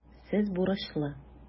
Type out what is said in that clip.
Сез бурычлы.